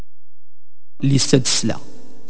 الاستسلام